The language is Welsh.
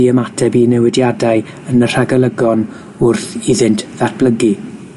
i ymateb i newidiadau yn y rhagolygon wrth iddynt ddatblygu.